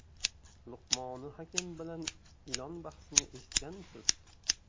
luqmoni hakim bilan ilon bahsini eshitganmisiz